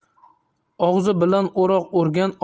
og'zi bilan o'roq o'rgan